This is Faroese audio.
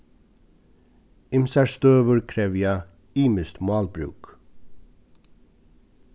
ymsar støður krevja ymiskt málbrúk